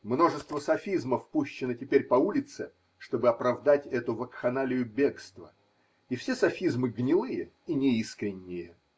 Множество софизмов пущено теперь по улице, чтобы оправдать эту вакханалию бегства, и все софизмы гнилые и неискренние.